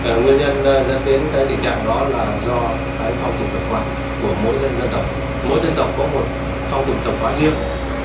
về nguyên nhân ơ dẫn đến cái tình trạng đó là do cái phong tục tập quán của mỗi dân dân tộc mỗi dân tộc có một phong tục tập quán riêng